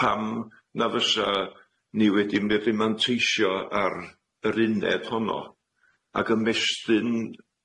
pam na fysa ni wedi medru manteisio ar yr uned honno, ac ymestyn?